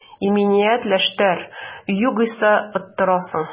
Иминиятләштер, югыйсә оттырасың